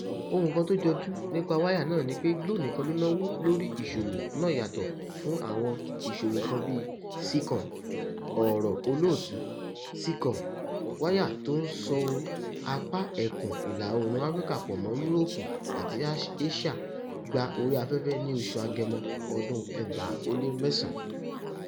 Ohun kan tó jọjú nipa wáyà náà ni pé Glo nìka ló náwó lóri ìṣòwò náà yàtọ̀ fún àwọn ìṣòwò kan bíi Seacom [Ọ̀rọ̀ Olóòtu: Seacom, wáyà tó ń so apá etíkun ìlà-oòrùn Áfíríkà pọ̀ mọ́ Europe àti Asia gba orí afẹ́fẹ́ ní oṣù Agẹmọ, ọdún 2009]